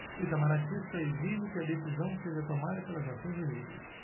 o itamaraty só exige que a decisão seja tomada pelas nações unidas